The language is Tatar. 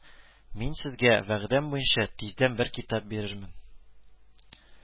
Мин сезгә, вәгъдәм буенча, тиздән бер китап бирермен